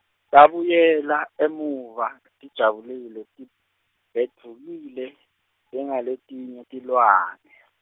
Tabuyela emuva , tijabulile tibhedvukile, njengaletinye tilwane.